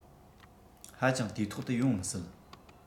ཧ ཅང དུས ཐོག ཏུ ཡོང མི སྲིད